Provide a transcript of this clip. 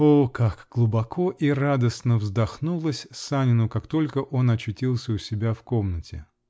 О, как глубоко и радостно вздохнулось Санину, как только он очутился у себя в комнате!